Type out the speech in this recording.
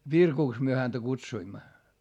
Virkuksi me häntä kutsuimme